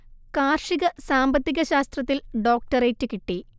കാർഷിക സാമ്പത്തിക ശാസ്ത്രത്തിൽ ഡോക്ടറേറ്റ് കിട്ടി